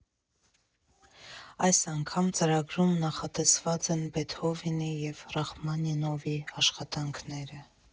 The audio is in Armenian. Այս անգամ ծրագրում նախատեսված են Բեթհովենի և Ռախմանինովի աշխատանքները։